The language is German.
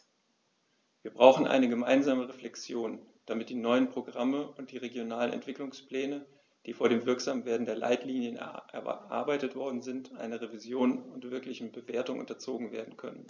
Wir brauchen eine gemeinsame Reflexion, damit die neuen Programme und die regionalen Entwicklungspläne, die vor dem Wirksamwerden der Leitlinien erarbeitet worden sind, einer Revision und wirklichen Bewertung unterzogen werden können.